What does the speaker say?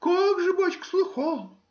— Как же, бачка,— слыхал.